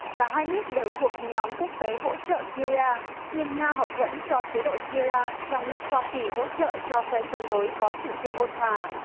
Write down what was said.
cả hai nước đều thuộc nhóm quốc tế hỗ trợ sy ri a nhưng nga hậu thuẫn cho chế độ xê ra trong lúc hoa kỳ hỗ trợ cho phe chống đối có chủ trương ôn hòa